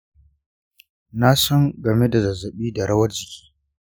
na san game da zazzabi da rawar jiki.